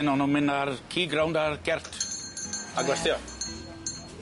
Un o'n nw'n myn' â'r cig round ar gert. A gwerthu o.